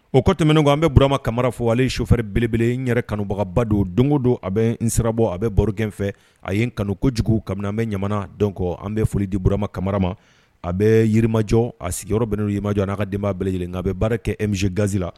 O kɔ tɛmɛnen kan an bɛ burama kamara fɔ sofɛrin belebele n yɛrɛ kanubagaba don don don a bɛ nsabɔ a bɛ baro gɛnfɛ a ye kanu kojugu kabini bɛ ɲamana dɔn kɔ an bɛ foli di burama kamamara ma a bɛ yirimajɔ a sigiyɔrɔ bɛnmajɔ n' ka denbaya bɛɛ lajɛlen a bɛ baara kɛ ez gansi la